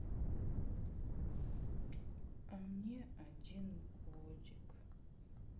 а мне один годик